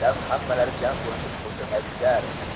dam hammalari jam bo'lishib qo'shiq aytishar